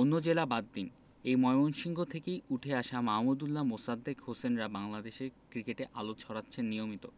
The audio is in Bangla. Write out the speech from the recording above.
অন্য জেলা বাদ দিন এ ময়মনসিংহ থেকেই উঠে আসা মাহমুদউল্লাহমোসাদ্দেক হোসেনরা বাংলাদেশ ক্রিকেটে আলো ছড়াচ্ছেন নিয়মিত